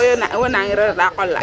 Ndaa wo nangiro reta qol la?